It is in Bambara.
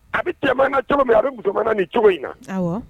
A bɛ cɛman na cogo min, a bɛ musoman ni cogo in na. Awɔ!